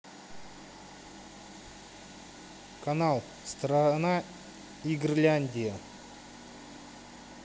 канал страна игрляндия